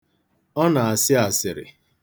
Ọ na-asị asịrị.